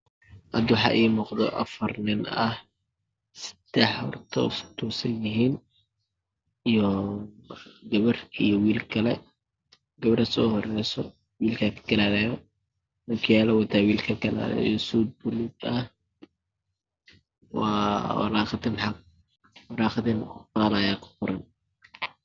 Wax Ii muuqdo afar nin ah sedex horta wey isku tosan yihiin iyo gabar iyo wiil kale gabadha Soo horeso Wilka ka gadaleyo o kilayo ayu wata wiilka ka gadaleyo iyo suud baluug ah waa waraqad qoral Aya ku qoran